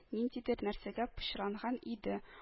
Ниндидер нәрсәгә пычранган иде